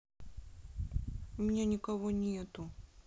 у меня никого нету